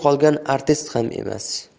qolgan artist ham emas